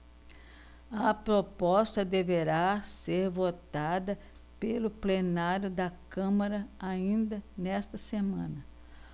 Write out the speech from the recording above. a proposta deverá ser votada pelo plenário da câmara ainda nesta semana